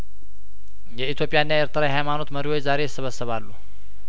የኢትዮጵያ ና የኤርትራ የሀይማኖት መሪዎች ዛሬ ይሰበሰባሉ